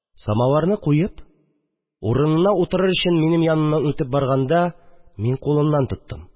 Самавырны куеп, урынына утырыр өчен минем янымнан үтеп барганда, мин кулыннан тоттым